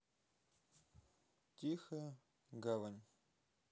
тихая гавань